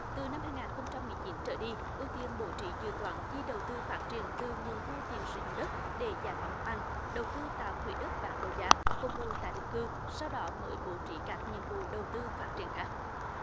từ năm hai ngàn không trăm mười chín trở đi ưu tiên bố trí dự toán chi đầu tư phát triển từ nguồn thu tiền sử dụng đất để giải phóng mặt bằng đầu tư tạo quỹ đất bán đấu giá phục vụ tái định cư sau đó mới bố trí các nhiệm vụ đầu tư phát triển khác